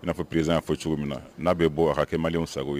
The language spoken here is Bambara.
I n'a fɔ président y'a fɔ cogo min na, n'a bɛ bɔ a ka kɛ maliyɛn sago ye.